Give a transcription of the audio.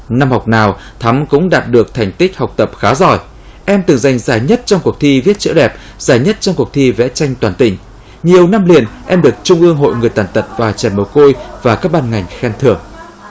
năm học nào thắm cũng đạt được thành tích học tập khá giỏi em từng giành giải nhất trong cuộc thi viết chữ đẹp dài nhất trong cuộc thi vẽ tranh toàn tỉnh nhiều năm liền em được trung ương hội người tàn tật và trẻ mồ côi và các ban ngành khen thưởng